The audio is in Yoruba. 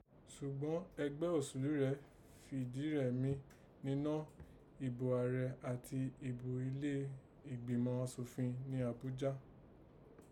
Ṣùgbán ẹgbẹ́ òsèlú rẹ̀ fìdí rẹmi ninọ́ ìbò ààrẹ àti ìbò ilé ìgbìmà asòfin ni Àbújá